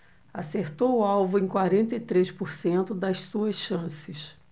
acertou o alvo em quarenta e três por cento das suas chances